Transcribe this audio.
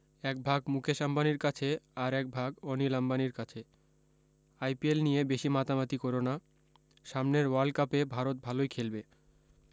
এক ভাগ মুকেশ আম্বানির কাছে আর এক ভাগ অনিল আম্বানির কাছে আইপিএল নিয়ে বেশী মাতামাতি কোরোনা সামনের ওয়ার্ল্ড কাপে ভারত ভালোই খেলবে